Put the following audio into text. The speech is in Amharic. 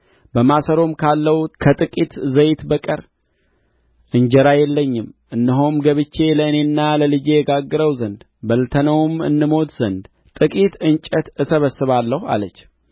በማሰሮም ካለው ከጥቂት ዘይት በቀር እንጀራ የለኝም እነሆም ገብቼ ለእኔና ለልጄ እጋግረው ዘንድ በልተነውም እንሞት ዘንድ ጥቂት እንጨት እሰበስባለሁ አለች